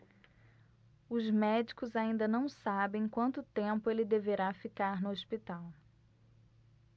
os médicos ainda não sabem quanto tempo ele deverá ficar no hospital